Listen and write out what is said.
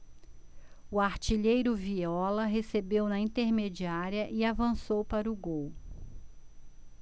o artilheiro viola recebeu na intermediária e avançou para o gol